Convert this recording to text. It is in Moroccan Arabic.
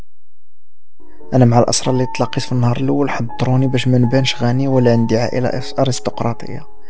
انا مع الاصفر اللي يطلع في النهار الاول حضروني بس من بين شغالين ولا عندي عائله ارستقراطيه